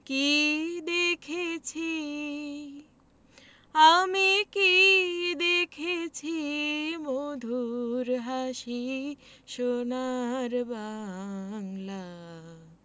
কী দেখেছি আমি কী দেখেছি মধুর হাসি সোনার বাংলা